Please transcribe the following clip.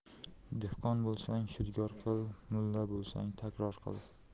dehqon bo'lsang shudgor qil mulla bo'lsang takror qil